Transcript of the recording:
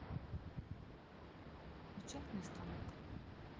печатный станок